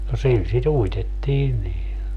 no sillä sitä uitettiin niin